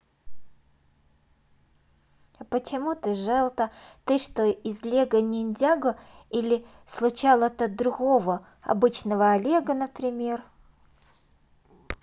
а почему ты желто ты что из лего ниндзяго или случало то другого обычного олега например